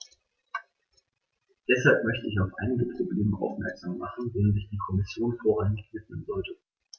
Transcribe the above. Deshalb möchte ich auf einige Probleme aufmerksam machen, denen sich die Kommission vorrangig widmen sollte.